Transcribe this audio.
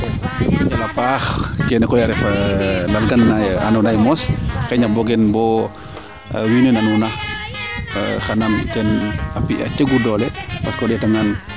njoko njal a paax keene koy a ref lal gal le ando naye moos xayna boogen bo mbina nuuna xana mbi teen a pi'a cegu doole parce que o ndeeta ngaan